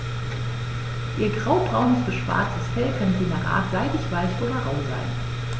Ihr graubraunes bis schwarzes Fell kann je nach Art seidig-weich oder rau sein.